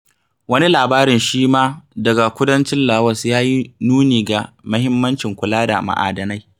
Wani labarin shi ma daga kudancin Laos ya yi nuni ga muhimmancin kula da ma'adanai: